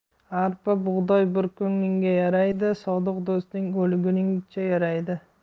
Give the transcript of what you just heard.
arpa bug'doy bir kuningga yaraydi sodiq do'sting o'lguningcha yaraydi